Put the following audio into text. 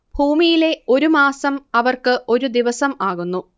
ഭൂമിയിലെ ഒരു മാസം അവർക്ക് ഒരു ദിവസം ആകുന്നു